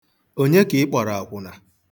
Onye ka ị kpọrọ akwụna?